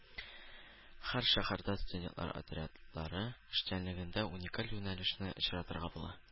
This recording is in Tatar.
Һәр шәһәрдә студентлар отрядлары эшчәнлегендә уникаль юнәлешне очратырга була